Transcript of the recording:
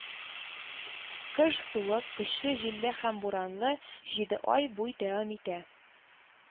Кыш суык, көчле җилле һәм буранлы, җиде ай бу дәвам итә